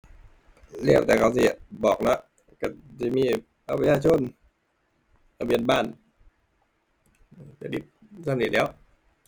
แล้วแต่เขาสิบอกเนาะ ก็สิมีบัตรประชาชน ทะเบียนบ้าน ก็สิส่ำนี้แหล้ว